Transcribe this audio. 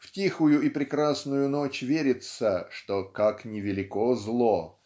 в тихую и прекрасную ночь верится что как ни велико зло